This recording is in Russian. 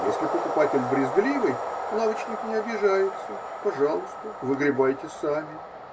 если покупатель брезгливый, лавочник не обижается: пожалуйста, выгребайте сами.